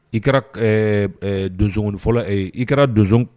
I kɛra don fɔlɔ i kɛra don